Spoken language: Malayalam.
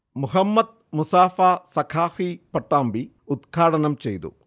മുഹമ്മ്ദ് മൂസഫ സഖാഫി പട്ടാമ്പി ഉൽഘാടനം ചെയ്തു